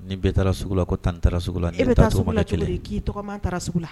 Ni taara sugu la ko tan ni taara sugu la i la' la